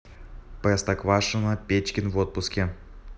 простоквашино печкин в отпуске